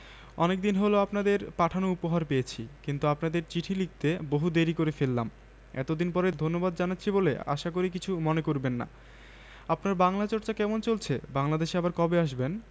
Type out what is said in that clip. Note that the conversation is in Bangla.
অভিনেতাটি যখন চমৎকার নাটকীয়তা ফুটিয়ে সংলাপ বলছেন একটি ঘোড়া আমার একটি ঘোড়া চাই রাজ্য বিলিয়ে দেবো সিংহাশন বিলিয়ে দেবো তবু এই মুহূর্তে আমার একটি ঘোড়া চাই